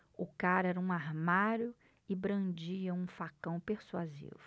o cara era um armário e brandia um facão persuasivo